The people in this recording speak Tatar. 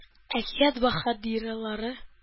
Әкият баһадирлары